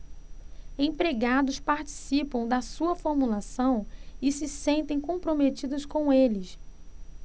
empregados participam da sua formulação e se sentem comprometidos com eles